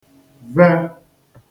ve